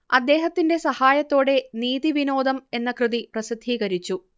അദ്ദേഹത്തിന്റെ സഹായത്തോടെ നീതിവിനോദം എന്ന കൃതി പ്രസിദ്ധീകരിച്ചു